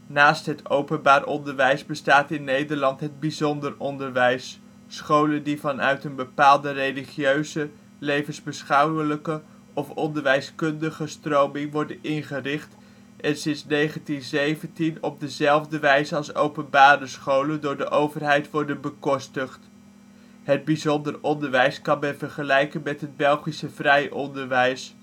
Naast het openbaar onderwijs bestaat in Nederland het bijzonder onderwijs: scholen die vanuit een bepaalde religieuze, levensbeschouwelijke of onderwijskundige stroming worden ingericht en sinds 1917 op dezelfde wijze als openbare scholen door de overheid worden bekostigd. Het bijzonder onderwijs kan men vergelijken met het Belgische vrij onderwijs